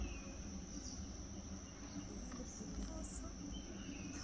я люблю мясо